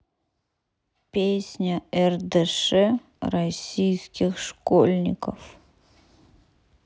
песня рдш российских школьников